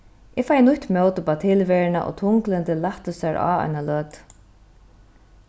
eg fái nýtt mót uppá tilveruna og tunglyndið lættir sær á eina løtu